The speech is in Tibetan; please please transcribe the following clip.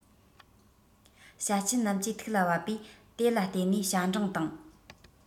བྱ ཆེན རྣམས ཀྱི ཐུགས ལ བབས པས དེ ལ བརྟེན ནས བྱ འབྲིང དང